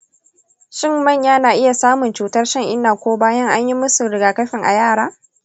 shin manya na iya samun cutar shan-inna ko bayan an yi musu rigakafin a yara?